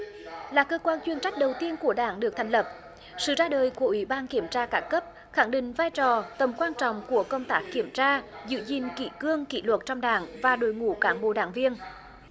là cơ quan chuyên trách đầu tiên của đảng được thành lập sự ra đời của ủy ban kiểm tra các cấp khẳng định vai trò tầm quan trọng của công tác kiểm tra giữ gìn kỷ cương kỷ luật trong đảng và đội ngũ cán bộ đảng viên